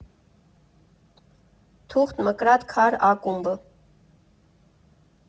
Թուղթ Մկրատ Քար Ակումբը։